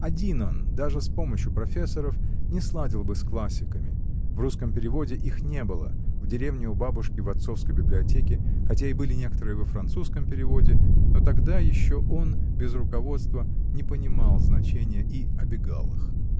Один он, даже с помощию профессоров, не сладил бы с классиками: в русском переводе их не было, в деревне у бабушки, в отцовской библиотеке, хотя и были некоторые во французском переводе, но тогда еще он, без руководства, не понимал значения и обегал их.